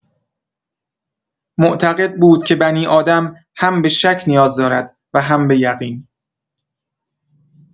معتقد بود که بنی‌آدم هم به شک نیاز دارد و هم بۀقین.